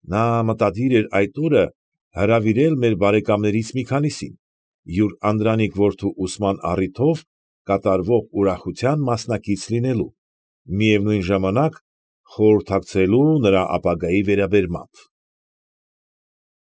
Նա մտադիր էր այդ օրը հրավիրել մեր բարեկամներից մի քանիսին՝ յուր անդրանիկ որդու ուսման առիթով կատարվող ուրախության մասնակից լինելու, միևնույն ժամանակ, խորհրրդակցելու նրա ապագայի վերաբերմամբ։ ֊